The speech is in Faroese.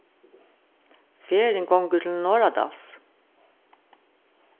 ferðin gongur til norðradals